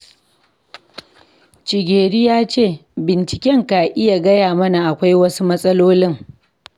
Gicheru ya ce,.. Binciken ka iya gaya mana akwai wasu matsalolin''.